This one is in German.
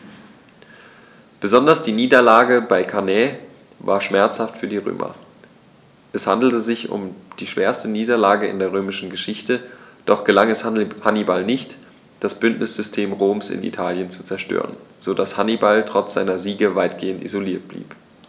Besonders die Niederlage bei Cannae war schmerzhaft für die Römer: Es handelte sich um die schwerste Niederlage in der römischen Geschichte, doch gelang es Hannibal nicht, das Bündnissystem Roms in Italien zu zerstören, sodass Hannibal trotz seiner Siege weitgehend isoliert blieb.